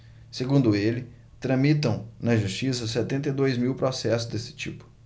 segundo ele tramitam na justiça setenta e dois mil processos desse tipo